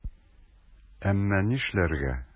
Әмма нишләргә?!